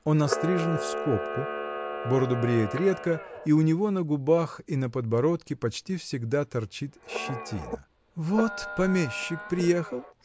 Он острижен в скобку, бороду бреет редко, и у него на губах и на подбородке почти всегда торчит щетина. — Вот помещик приехал!